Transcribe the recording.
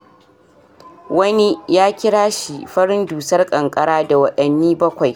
Wani ya kira shi "Farin Dusar Kankara da Wadanni Bakwai.""